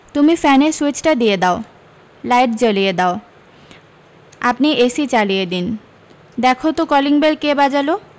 তুমি ফ্যান এর সুইচটা দিয়ে দাও লাইট জ্বলিয়ে দাও আপনি এসি চালিয়ে দিন দেখোতো কলিং বেল কে বাজালো